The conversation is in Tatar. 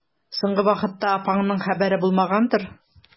Соңгы вакытта апаңның хәбәре булмагандыр?